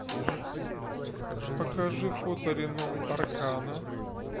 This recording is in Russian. покажи фото рено аркано